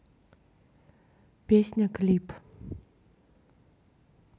песня клип